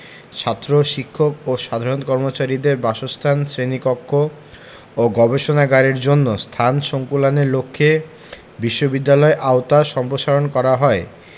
ছাত্র শিক্ষক ও সাধারণ কর্মচারীদের বাসস্থান শ্রেণীকক্ষ ও গবেষণাগারের জন্য স্থান সংকুলানের লক্ষ্যে বিশ্ববিদ্যালয়ের আওতা সম্প্রসারণ করা হয়